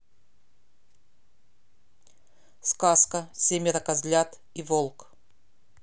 сказка семеро козлят и волк